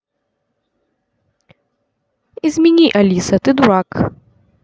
измени алиса ты дурак